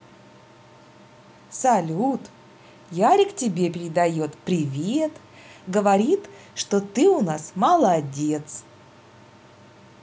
салют ярик тебе передает привет говорит что ты у нас молодец